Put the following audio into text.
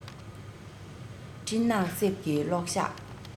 སྤྲིན ནག གསེབ ཀྱི གློག ཞགས